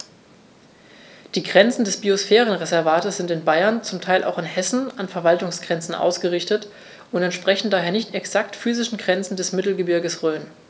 Die Grenzen des Biosphärenreservates sind in Bayern, zum Teil auch in Hessen, an Verwaltungsgrenzen ausgerichtet und entsprechen daher nicht exakten physischen Grenzen des Mittelgebirges Rhön.